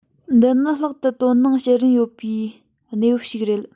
འདི ནི ལྷག ཏུ དོ སྣང བགྱི རིན ཡོད པའི གནས བབ ཅིག རེད